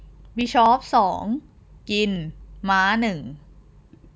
บิชอปสองกินม้าหนึ่ง